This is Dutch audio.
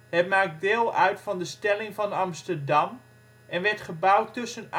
Het maakt deel uit van de Stelling van Amsterdam en werd gebouwd tussen